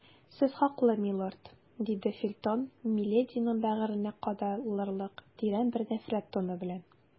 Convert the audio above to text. Сез хаклы, милорд, - диде Фельтон милединың бәгыренә кадалырлык тирән бер нәфрәт тоны белән.